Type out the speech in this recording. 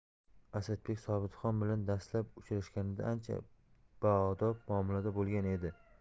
asadbek sobitxon bilan dastlab uchrashganida ancha baodob muomalada bo'lgan edi